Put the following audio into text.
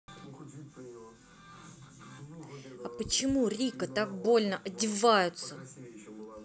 а почему рика так больно одеваются